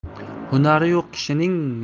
hunari yo'q kishining